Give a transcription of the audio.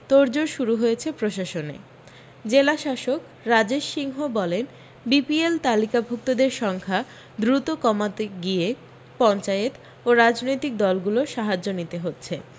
তোড়জোড় শুরু হয়েছে প্রশাসনে জেলাশাসক রাজেশ সিংহ বলেন বিপিএল তালিকাভুক্তদের সংখ্যা দ্রুত কমাতে গিয়ে পঞ্চায়েত ও রাজনৈতিক দলগুলির সাহায্য নিতে হচ্ছে